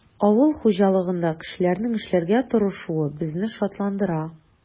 Авыл хуҗалыгында кешеләрнең эшләргә тырышуы безне шатландыра.